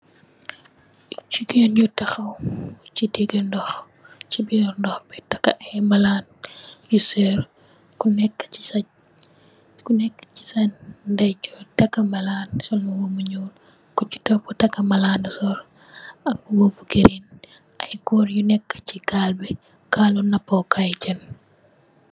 E Gigain nyu tahaw sey digi ndoh sey birr ndoh bi taka i malan yu seer kuneka sey sen kuneka sey sen ndey jorr taka malan sol mbuba bu nyuul kuchi topa taka malan la sol ak mbuba bu green i gorr yu nekeh sey gaal bi gaalu naapo kai jeng.